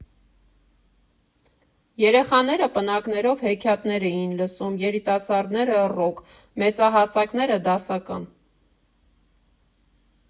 Երեխաները պնակներով հեքիաթներ էին լսում, երիտասարդները՝ ռոք, մեծահասակները՝ դասական։